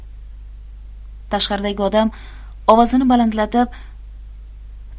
tashqaridagi odam ovozini balandlatib